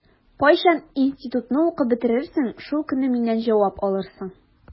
Кайчан институтны укып бетерерсең, шул көнне миннән җавап алырсың.